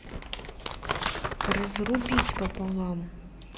разрубить пополам